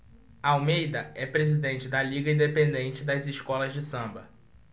almeida é presidente da liga independente das escolas de samba